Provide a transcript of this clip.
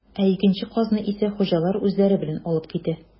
Ә икенче казны исә хуҗалар үзләре белән алып китә.